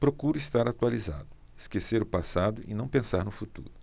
procuro estar atualizado esquecer o passado e não pensar no futuro